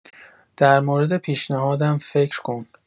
درمورد پیشنهادم فکر کن.